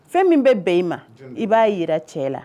Fɛn min bɛ bɛn i ma, i b'a jira cɛ la.